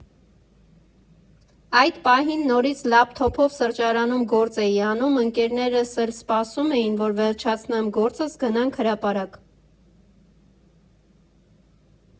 Այդ պահին նորից լափթոփով սրճարանում գործ էի անում, ընկերներս էլ սպասում էին, որ վերջացնեմ գործս՝ գնանք հրապարակ։